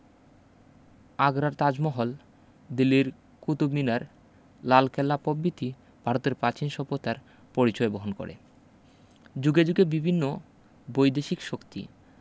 আগ্রার তাজমহল দিল্লির কুতুব মিনার লালকেল্লা পভিতি ভারতের পাচীন সভ্যতার পরিচয় বহন করে যুগে যুগে বিভিন্ন বৈদেশিক শক্তি